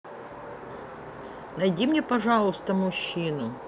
найди мне пожалуйста мужчину